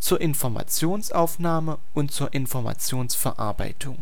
zur Informationsaufnahme und Informationsverarbeitung